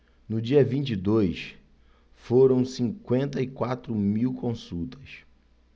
no dia vinte e dois foram cinquenta e quatro mil consultas